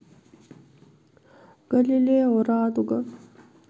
галилео радуга